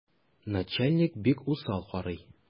Начальник бик усал карый.